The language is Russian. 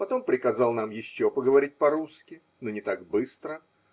потом приказал нам еще поговорить по русски, но не так быстро